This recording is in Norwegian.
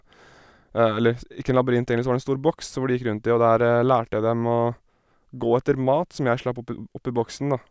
Eller, s ikke en labyrint, egentlig så var det en stor boks som de gikk rundt i, og der lærte dem å gå etter mat som jeg slapp oppi oppi boksen, da.